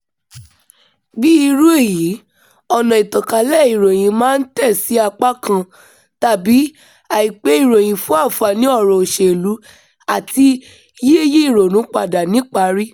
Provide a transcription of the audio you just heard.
Bí irú èyí, ọ̀nà ìtànkálẹ̀ ìròyìn máa ń tẹ̀sí apá kan tàbí àìpé ìròyìn fún àǹfààní ọ̀rọ̀ òṣèlú àti yíyí ìrònú padà níparí.